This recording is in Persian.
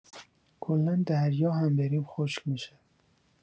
کلا دریا هم بریم خشک می‌شه